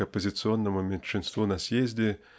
к оппозиционному меньшинству на съезде